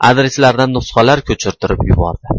adreslaridan nusxalar ko'chirtirib yubordi